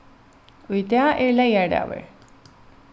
í dag er leygardagur